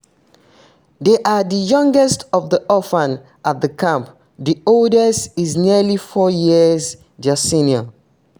They are the youngest of the orphans at the camp; the oldest is nearly four years their senior.